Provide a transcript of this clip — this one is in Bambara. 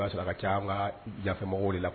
k'a sɔrɔ a ka caa yan fɛ mɔgɔw de la